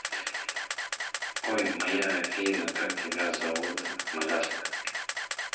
ой моя афина как тебя зовут малявка